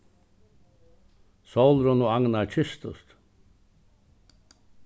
sólrun og agnar kystust